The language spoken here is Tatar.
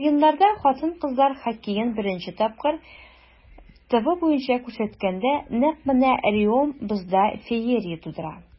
Уеннарда хатын-кызлар хоккеен беренче тапкыр ТВ буенча күрсәткәндә, нәкъ менә Реом бозда феерия тудыра.